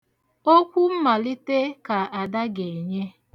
Okwu mmalite ka Ada ga-enye.